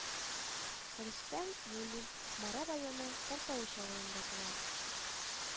Рөстәм Муллин Кукмара районы Кәркәвеч авылында туа